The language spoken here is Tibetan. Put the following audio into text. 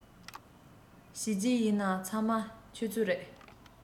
བྱས རྗེས ཡིན ནའང འདྲ ཚང མ ཁྱེད ཚོའི རེད